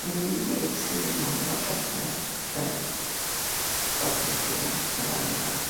mynd i'r tŷ yma efo llythyr i ddeu bod ni chwilio amdan dy fam.